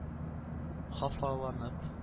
Хафаланып